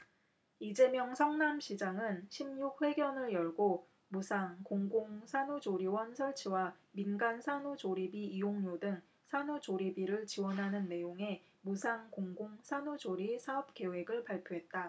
이재명 성남시장은 십 육 회견을 열고 무상 공공산후조리원 설치와 민간 산후조리비 이용료 등 산후조리비를 지원하는 내용의 무상 공공산후조리 사업계획을 발표했다